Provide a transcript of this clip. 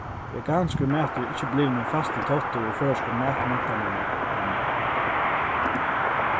veganskur matur er ikki blivin ein fastur táttur í føroysku matmentanini enn